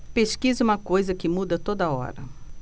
pesquisa é uma coisa que muda a toda hora